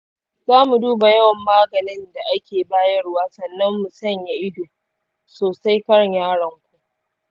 zamu duba yawan maganin da ake bayarwa sannan mu sanya ido sosai kan yaronku.